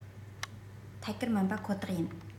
ཐད ཀར མིན པ ཁོ ཐག ཡིན